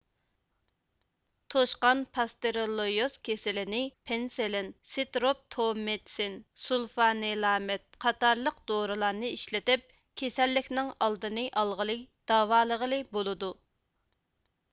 توشقان پاستېرېلليۇز كېسىلىنى پېنسىلىن سىترېپتومىتسىن سۇلفانىلامىد قاتارلىق دورىلارنى ئىشلىتىپ كېسەللىكنىڭ ئالدىنى ئالغىلى داۋالىغىلى بولىدۇ